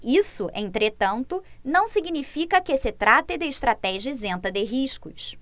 isso entretanto não significa que se trate de estratégia isenta de riscos